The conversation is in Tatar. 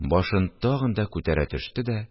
Башын тагын да күтәрә төште дә